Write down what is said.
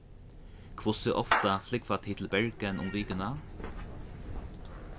hvussu ofta flúgva tit til bergen um vikuna